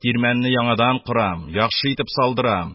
Тирмәнне яңадан корам, яхшы итеп салдырам,